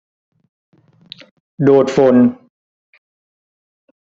ดูดฝุ่น